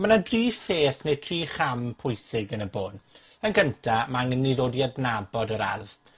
ma' 'na dri pheth ne' tri cham pwysig, yn y bôn. Yn gynta, ma' angen i ni ddod i adnabod yr ardd.